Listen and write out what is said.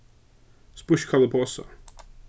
spískkál í posa